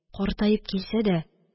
Картаеп килсә дә